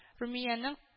Румиянең